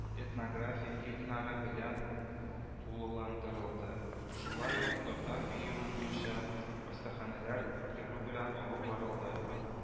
Этнография фильмнары белән тулыландырылды, шулай ук татар биюе буенча остаханәләр үткәрү белән алып барылды. м